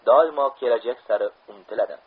doimo kelajak sari umtiladi